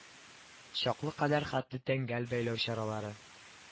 Чаклы кадәр хәтле тәңгәл бәйләү чаралары